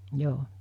joo